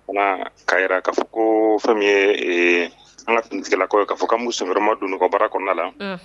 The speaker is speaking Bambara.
Nka'a jira k'a fɔ ko fɛn an ka tuntigɛkɔ'a fɔ ka mu wɛrɛma dunɔgɔbara kɔnɔna la